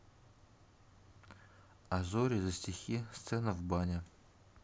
а зори за стихи сцена в бане